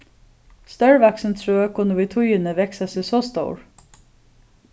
stórvaksin trø kunnu við tíðini vaksa seg so stór